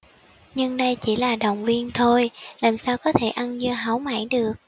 nhưng đây chỉ là động viên thôi làm sao có thể ăn dưa hấu mãi được